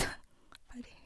Ferdig.